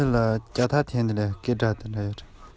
ཟང ཟིང གི སྟོན ཀ རིམ གྱིས